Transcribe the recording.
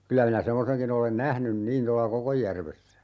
kyllä minä semmoisenkin olen nähnyt niin tuolla Kokonjärvessä